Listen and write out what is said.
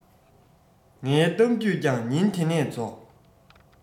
ངའི གཏམ རྒྱུད ཀྱང ཉིན དེ ནས རྫོགས